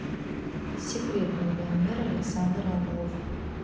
секретный миллионер александр орлов